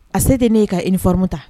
A se tɛ'e ye ka i ni famu ta